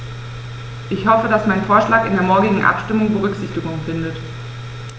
Ich hoffe, dass mein Vorschlag in der morgigen Abstimmung Berücksichtigung findet.